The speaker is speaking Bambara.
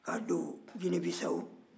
ka don gine bisawo